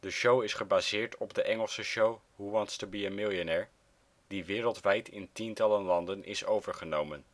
show is gebaseerd op de Engelse show Who Wants to Be a Millionaire?, die wereldwijd in tientallen landen is overgenomen